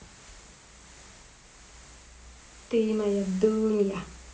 ты моя дунья